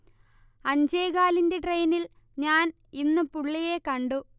അഞ്ചേകാലിന്റെ ട്രെയിനിൽ ഞാൻ ഇന്ന് പുള്ളിയെ കണ്ടു